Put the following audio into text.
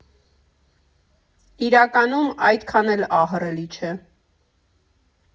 Իրականում, այդքան էլ ահռելի չէ։